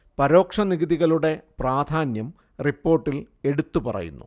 പരോക്ഷ നികുതികളുടെ പ്രാധാന്യം റിപ്പോർട്ടിൽ എടുത്തു പറയുന്നു